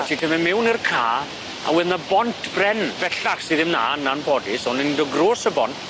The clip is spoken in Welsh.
Wyt ti 'lly myn' mewn i'r ca a wedd 'na bont bren bellach sy ddim 'na yn anffodus on' o'n i'n dod grôs y bont